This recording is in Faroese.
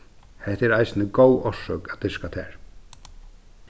hetta er eisini ein góð orsøk at dyrka tær